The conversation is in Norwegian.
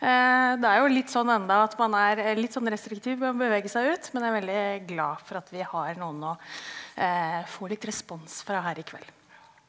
det er jo litt sånn enda at man er litt sånn restriktiv med å bevege seg ut, men jeg er veldig glad for at vi har noen å få litt respons fra her i kveld.